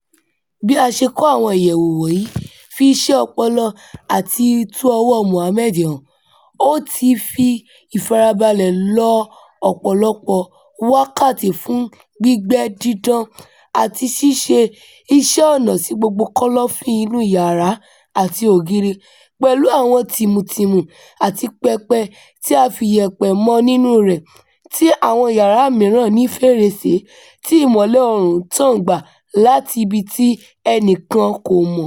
Bí a ṣe kọ́ àwọn ìyẹ̀wù wọ̀nyí fi iṣẹ́ ọpọlọ àti itú ọwọ́ọ Mohammed hàn – ó ti fi ìfarabalẹ̀ lọ ọ̀pọ̀lọpọ̀ wákàtí fún gbígbẹ́, dídán, àti ṣíṣe iṣẹ́ ọnà sí gbogbo kọ́lọ́fín inú iyàrá àti ògiri, pẹ̀lú àwọn tìmùtìmù, àti pẹpẹ tí a fi iyẹ̀pẹ̀ mọ nínúu rẹ̀, tí àwọn yàrá mìíràn ní fèrèsé tí ìmọ́lẹ̀ oòrùn ń tàn gbà láti ibi tí ẹnìkan kò mọ̀.